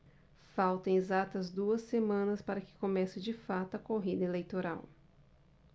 faltam exatas duas semanas para que comece de fato a corrida eleitoral